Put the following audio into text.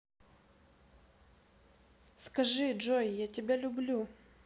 скажи джой я тебя люблю